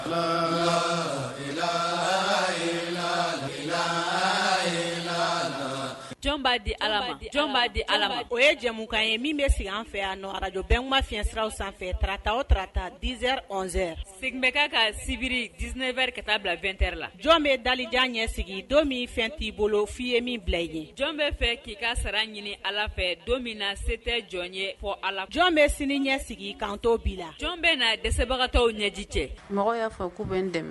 B'a di'a di ala o ye jamumukan ye min bɛ sigi an fɛ a arajɔ bɛɛ ma fisiraw sanfɛ tata o tata dizz segin bɛ ka ka sibiri d7 wɛrɛri ka taa bila2t la jɔn bɛ dajan ɲɛsigi don min fɛn t'i bolo f'i ye min bila i ye jɔn bɛ fɛ k'i ka sara ɲini ala fɛ don min na se tɛ jɔn ye fɔ a jɔn bɛ sini ɲɛ sigi kan tɔw bi la jɔn bɛ na dɛsɛbagatɔ ɲɛji cɛ mɔgɔ y'a